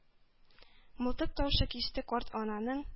Мылтык таушы кисте карт ананың